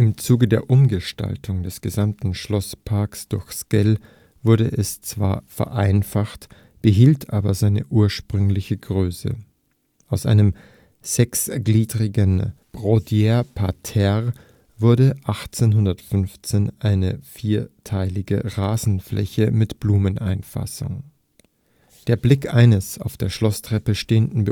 Zuge der Umgestaltung des gesamten Schlossparks durch Sckell wurde es zwar vereinfacht, behielt aber seine ursprüngliche Größe: Aus einem sechsgliedrigen Broderieparterre wurde 1815 eine vierteilige Rasenfläche mit Blumeneinfassung. Der Blick eines auf der Schlosstreppe stehenden